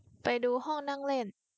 ไปดูห้องนั่งเล่น